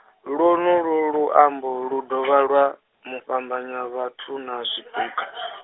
lwonolwu luambo lu dovha lwa, mufhambanyi vhathuni zwipuka.